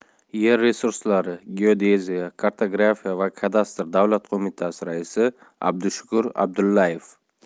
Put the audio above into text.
yer resurslari geodeziya kartografiya va kadastr davlat qo'mitasi raisi abdushukur abdullayev